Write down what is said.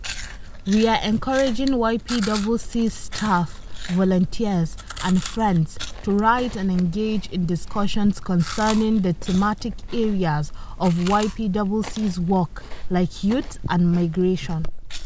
We’re encouraging YPWC’s staff, volunteers and friends to write and engage in discussions concerning the thematic areas of YPWC’s work like youth and migration.